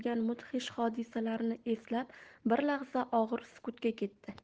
hodisalarni eslab bir lahza og'ir sukutga ketdi